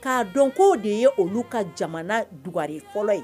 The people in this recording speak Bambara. K'a dɔnko de ye olu ka jamana dug fɔlɔ ye